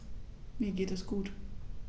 Mir geht es gut.